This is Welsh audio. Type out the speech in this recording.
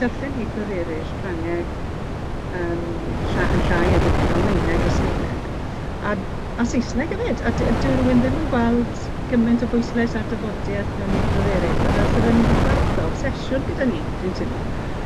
darllen ieithodd eraill Ffrangeg yym lla- yn llai erbyn 'yn, Almaeneg a Sbaeneg, a a Saesneg efyd. A dy- dyw rywun ddim yn gweld gyment o bwyslais ar dyfodieth mewn ieithodd eraill. Ma' fel sa fe'n ryw fath o obsesiwn gyda ni, dwi'n timlo.